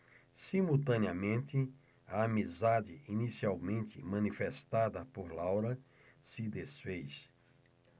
simultaneamente a amizade inicialmente manifestada por laura se disfez